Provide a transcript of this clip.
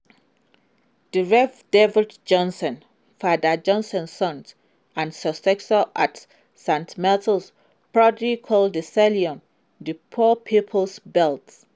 The Rev. David Johnson, Father Johnson's son and successor at St. Martin's, proudly called the carillon "the poor people's bells."